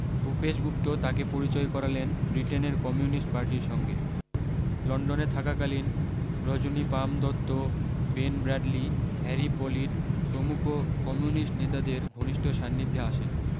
ভূপেশ গুপ্ত তাঁকে পরিচয় করালেন বৃটেনের কমিউনিস্ট পার্টির সঙ্গে লন্ডনে থাকাকালীন Rajani Palme Dutt Ben Bradley Harry Pollitt প্রমুখ কমিউনিস্ট নেতাদের ঘনিষ্ঠ সান্নিধ্যে আসেন